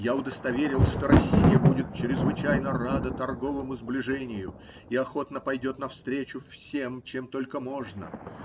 Я удостоверил, что Россия будет чрезвычайно рада торговому сближению и охотно пойдет навстречу всем, чем только можно.